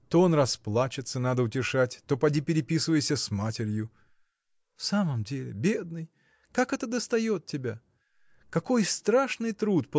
то он расплачется – надо утешать, то поди переписывайся с матерью. – В самом деле, бедный! Как это достает тебя? Какой страшный труд